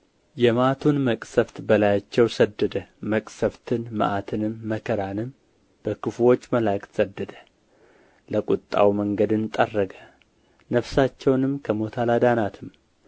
የመዓቱን መቅሠፍት በላያቸው ሰደደ መቅሠፍትን መዓትንም መከራንም በክፉዎች መላእክት ሰደደ ለቍጣው መንገድን ጠረገ ነፍሳቸውንም ከሞት አላዳናትም